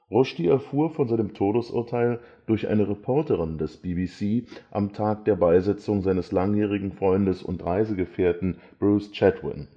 Rushdie erfuhr von seinem Todesurteil durch eine Reporterin des BBC am Tag der Beisetzung seines langjährigen Freundes und Reisegefährten Bruce Chatwin